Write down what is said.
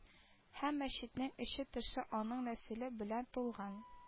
Һәм мәчетнең эче-тышы аның нәселе белән тулган